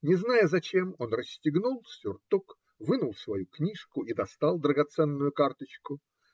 Не зная зачем, он расстегнул сюртук, вынул свою книжку и достал драгоценную карточку.